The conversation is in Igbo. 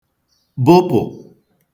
bụpụ̀